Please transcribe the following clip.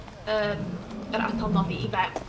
yym, yr atalnodi i fewn.